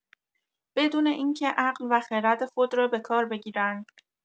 بدون اینکه عقل و خرد خود را بکار بگیرند.